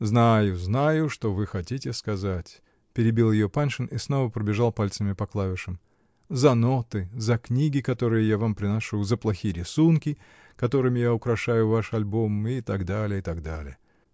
-- Знаю, знаю, что вы хотите сказать, -- перебил ее Паншин и снова пробежал пальцами по клавишам, -- за ноты, за книги, которые я вам приношу, за плохие рисунки, которыми я украшаю ваш альбом, и так далее, и так далее.